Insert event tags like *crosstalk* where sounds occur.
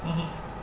*hesitation* *hesitation*